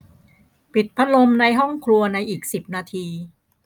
ปิดพัดลมในห้องครัวในอีกสิบนาที